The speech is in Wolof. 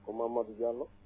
Momadou Diallo